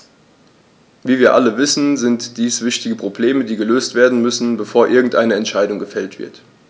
Wie wir alle wissen, sind dies wichtige Probleme, die gelöst werden müssen, bevor irgendeine Entscheidung gefällt wird.